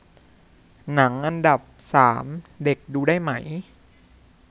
หนังอันดับสามเด็กดูได้ไหม